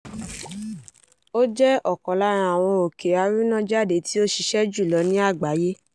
Ngorongoro Crater jẹ́ ọ̀gbùn oníná aṣèéfín ńlá, tí kò fọ́, tí kò kùn jù wà ní ìwọ̀-oòrùn Arusha ní agbègbè Crater Highlands ní Tanzania.